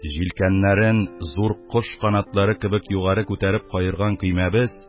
Җилкәннәрен зур кош канатлары кебек югары күтәреп каерган көймәбез,